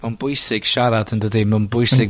Ma'n bwysig siarad yndydi ma'n bwysig...